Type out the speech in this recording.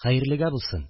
Хәерлегә булсын